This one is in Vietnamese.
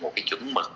một cái chuẩn mực